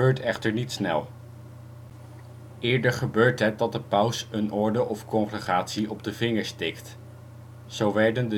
echter niet snel. Eerder gebeurt het dat de paus een orde of congregatie op de vingers tikt (zo werden de